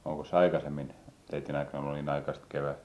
onkos aikaisemmin teidän aikana ollut niin aikaista kevättä